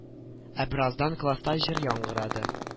Ә бераздан класста җыр яңгырады